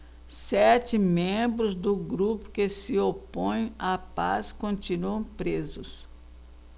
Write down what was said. sete membros do grupo que se opõe à paz continuam presos